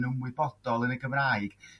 ymwyboddol yn y Gymraeg